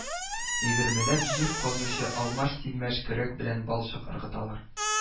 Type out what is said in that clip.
Егермеләп җир казучы алмаш-тилмәш көрәк белән балчык ыргыталар